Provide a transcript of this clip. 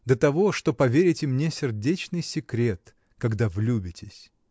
до того, что поверите мне сердечный секрет, когда влюбитесь.